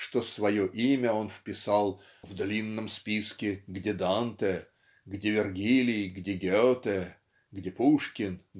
что свое имя он вписал "в длинном списке где Данте где Вергилий где Гете Пушкин